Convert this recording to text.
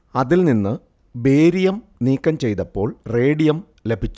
അതിൽ നിന്ന് ബേരിയം നീക്കം ചെയ്തപ്പോൾ റേഡിയം ലഭിച്ചു